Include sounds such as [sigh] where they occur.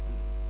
[hesitation] [hesitation]